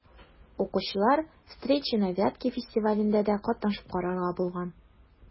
Укучылар «Встречи на Вятке» фестивалендә дә катнашып карарга булган.